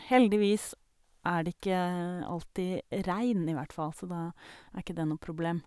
Heldigvis er det ikke alltid regn, i hvert fall, så da er ikke det noe problem.